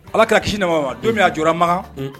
Ala ka na wa don min' a jɔura makan